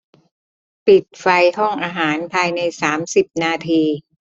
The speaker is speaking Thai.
ปิดไฟห้องอาหารภายในสามสิบนาที